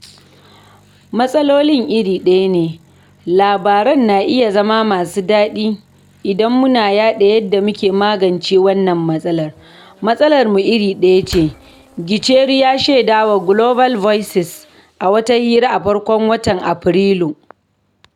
Matsalolin dai iri ɗaya ne; labaran na iya zama masu daɗi idan muna yaɗa yadda muke magance wannan matsalar; matsalar mu iri ɗaya ce" Gicheru ya shedawa Global Voices a wata hira a farkon watan Afrilu.